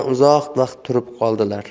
uzoq vaqt turib qoldilar